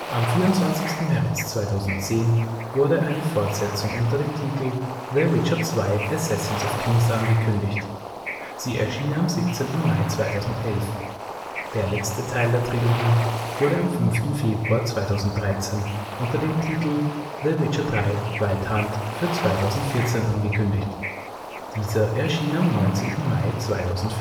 Am 24. März 2010 wurde eine Fortsetzung unter dem Titel The Witcher 2: Assassins of Kings angekündigt. Sie erschien am 17. Mai 2011. Der letzte Teil der Trilogie wurde am 5. Februar 2013 unter dem Titel The Witcher 3: Wild Hunt für 2014 angekündigt, dieser erschien am 19. Mai 2015